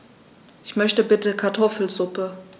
Ich möchte bitte Kartoffelsuppe.